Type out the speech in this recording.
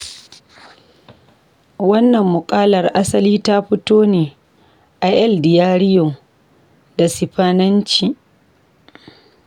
Wannan muƙalar asali ta fito ne a El Diario da Sifananci.